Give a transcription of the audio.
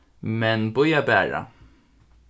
men bíða bara